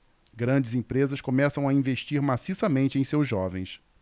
grandes empresas começam a investir maciçamente em seus jovens